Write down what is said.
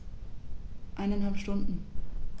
Eineinhalb Stunden